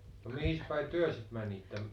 mihinkäs päin te sitten menitte